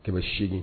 800